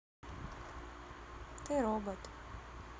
ты робот